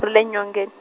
ri le nyongeni.